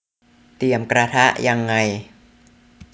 เตรียมกระเทียมยังไง